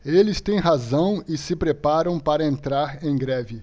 eles têm razão e se preparam para entrar em greve